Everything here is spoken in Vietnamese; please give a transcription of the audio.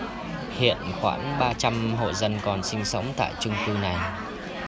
hiện khoảng ba trăm hộ dân còn sinh sống tại chung cư này